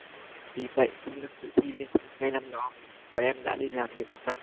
vì vậy không được dự thi liên thông ngay năm đó và em đã đi làm được một năm